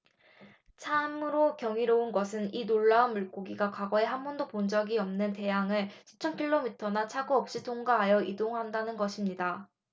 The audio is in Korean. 참으로 경이로운 것은 이 놀라운 물고기가 과거에 한 번도 본 적이 없는 대양을 수천 킬로미터나 착오 없이 통과하여 이동한다는 것입니다